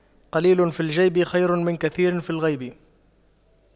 قليل في الجيب خير من كثير في الغيب